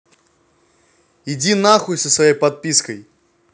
иди нахуй со своей подпиской